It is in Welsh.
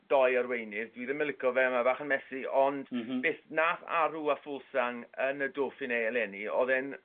doi arweinydd. Dwi ddim yn lico fe ma' bach yn messy ond... M-hm. ...beth nath Aru a Fuglsang yn y Dauphiné eleni odd e'n